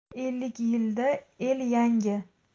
ellik yilda el yangi